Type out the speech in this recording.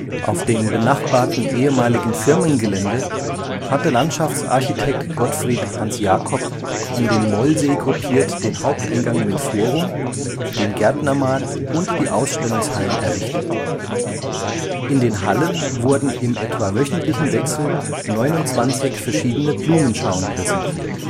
Auf dem benachbarten ehemaligen Firmengelände hatte Landschaftsarchitekt Gottfried Hansjakob um den Mollsee gruppiert den Haupteingang mit Forum, den Gärtnermarkt und die Ausstellungshallen errichtet. In den Hallen wurden im etwa wöchentlichen Wechsel 29 verschiedene Blumenschauen präsentiert